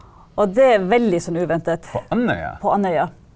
og det er veldig sånn uventet på Andøya.